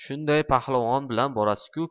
shunday pahlavon bilan borasiz ku